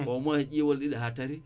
au mons